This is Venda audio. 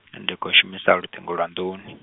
ndi khou shumisa luṱingo lwa nḓuni.